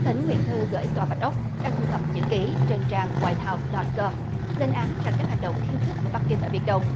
thỉnh nguyện thư gửi tòa bạch ốc đang thu thập chữ ký trên trang goai thao đót com lên án rằng các hành động khiêu khích của bắc kinh ở biển đông